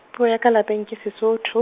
puo ya ka ya lapeng ke Sesotho.